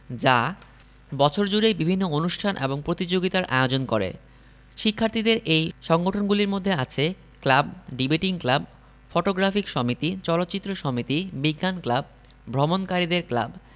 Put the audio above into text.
যা বছর জুড়েই বিভিন্ন অনুষ্ঠান এবং প্রতিযোগিতার আয়োজন করে শিক্ষার্থীদের এই সংগঠনগুলির মধ্যে আছে ক্লাব ডিবেটিং ক্লাব ফটোগ্রাফিক সমিতি চলচ্চিত্র সমিতি বিজ্ঞান ক্লাব ভ্রমণকারীদের ক্লাব